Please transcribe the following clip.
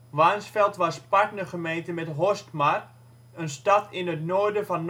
Warnsveld was partnergemeente met Horstmar, een stad in het noorden van Noord-Rijnland-Westfalen